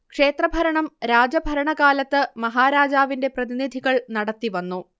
ക്ഷേത്രഭരണം രാജഭരണകാലത്ത് മഹാരാജാവിന്റെ പ്രതിനിധികൾ നടത്തിവന്നു